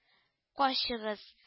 — качыгыз